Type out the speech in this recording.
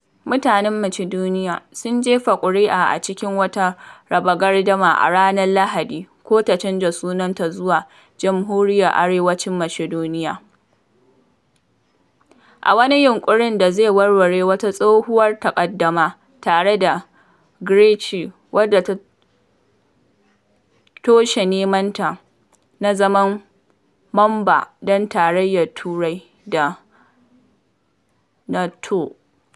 Mutanen Macedonia sun jefa kuri’a a cikin wata raba gardama a ranar Lahadi ko ta canza sunanta zuwa “Jamhuriyyar Arewacin Macedonia,” a wani yinƙuri da zai warware wata tsohuwar taƙaddama tare da Greece wadda ta toshe nemanta na zama mamba don Tarayyar Turai da NATO.